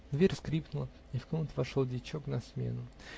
Дверь скрипнула, и в комнату вошел дьячок на смену.